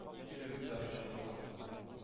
Бирлектә оештырыла